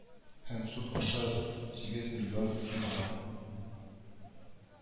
Һәм суд аша сигез миллион сумга